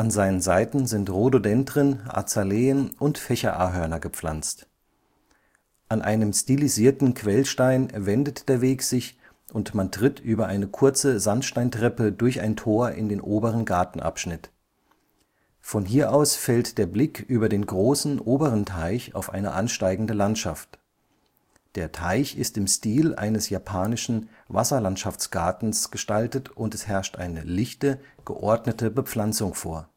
seinen Seiten sind Rhododendron, Azaleen und Fächer-Ahorn gepflanzt. An einem stilisierten Quellstein wendet der Weg sich und man tritt über eine kurze Sandsteintreppe durch ein Tor in den oberen Gartenabschnitt. Von hier aus fällt der Blick über den großen oberen Teich auf eine ansteigende Landschaft. Der Teich ist im Stil eines japanischen Wasserlandschaftgartens (Chitei) gestaltet und es herrscht eine lichte, geordnete Bepflanzung vor